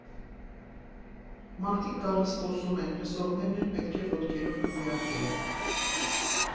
Մարդիկ գալիս խոսում են, լսողներն էլ պետք է ոտքերով քվեարկեն.